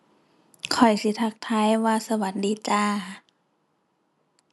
ข้อยสิทักทายว่าสวัสดีจ้า